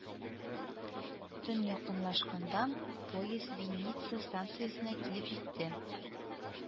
Төн якынлашканда поезд Винница станциясенә килеп җитте